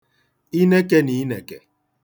inekē nà inèkè